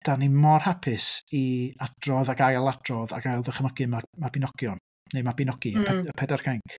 Dan ni mor hapus i adrodd ac ail-adrodd ac ail-ddychymogu ma- Mabinogion, neu Mabinogi... mm. ...y pe- y pedair cainc.